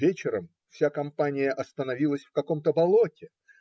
Вечером вся компания остановилась в каком-то болоте